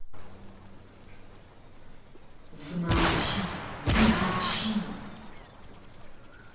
замолчи замолчи